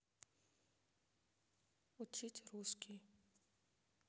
учить русский